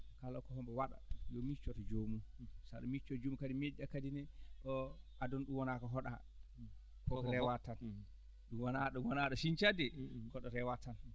kala ko hombo waɗa yo miccoto joomum so aɗa miccoo joomum kadi miijoɗaa kadi ne o aduna ɗum wonaa ko hoɗaa ko ko rewaa tan wonaa ɗum wonaa ɗum wonaa ɗo siñcaa dee ko ɗo rewaa tan